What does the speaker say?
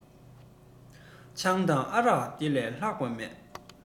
ཆང དང ཨ རག འདི ལས ལྷག པ མེད